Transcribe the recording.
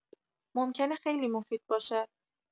ممکنه خیلی مفید باشه.